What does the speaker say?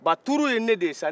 ba tuuru ye ne de ye sa